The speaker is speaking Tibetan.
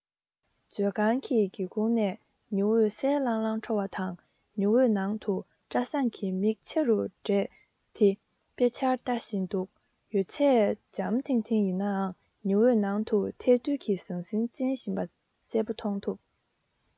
མཛོད ཁང གི སྒེའུ ཁུང ནས ཉི འོད གསལ ལྷང ལྷང འཕྲོ བ དང ཉི འོད ནང དུ བཀྲ བཟང གིས མིག ཆེ རུ བགྲད དེ དཔེ ཆར ལྟ བཞིན འདུག ཡོད ཚད འཇམ ཐིང ཐིང ཡིན ནའང ཉི འོད ནང དུ ཐལ རྡུལ གྱི ཟང ཟིང རྩེན བཞིན པ གསལ པོ མཐོང ཐུབ